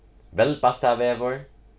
velbastaðvegur